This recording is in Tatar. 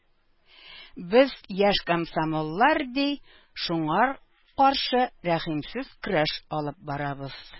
Без, яшь комсомоллар, ди, шуңар каршы рәхимсез көрәш алып барабыз.